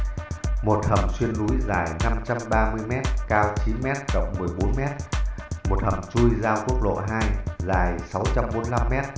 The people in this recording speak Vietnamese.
một hầm xuyên núi dài m cao m rộng m một hầm chui giao quốc lộ dài m